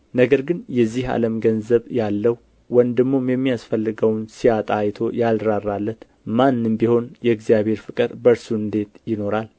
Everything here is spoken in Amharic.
ነገር ግን የዚህ ዓለም ገንዘብ ያለው ወንድሙም የሚያስፈልገው ሲያጣ አይቶ ያልራራለት ማንም ቢሆን የእግዚአብሔር ፍቅር በእርሱ እንዴት ይኖራል